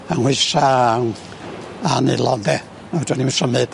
a nghoesa a'n nulo de? A fedrwn i'm symud.